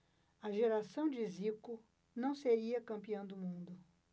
a geração de zico não seria campeã do mundo